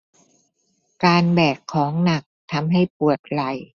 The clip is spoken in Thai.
การแบกของหนักทำให้ปวดไหล่